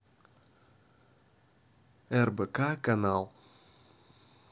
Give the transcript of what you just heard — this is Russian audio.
рбк канал